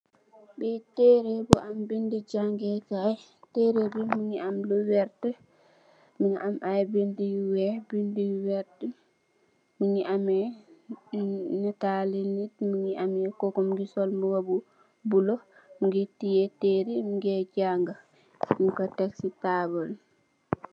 Bii tehreh bu am bindu jaangeh kaii, tehreh bii mungy am lu vert, mungy am aiiy bindue yu wekh, bindue yu vert, mungy ameh naatali nitt, mungy ameh koku mungy sol mbuba bu bleu, mungy tiyeh tehreh, mungeh jaangah, njung kor tek cii taabul.